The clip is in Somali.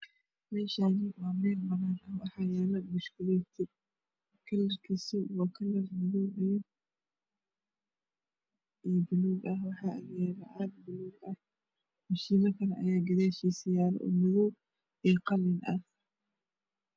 Meshani waa meelbanan ah waxa yalo bushkuleti kalarkisa waa kalar madow iyo balug waxa agyaalo cag baluah mashiinokale ayaa gadaashisa yaalo omadow iyo qalin ah